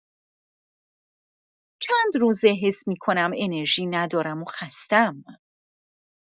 چندروزه حس می‌کنم انرژی ندارم و خستم.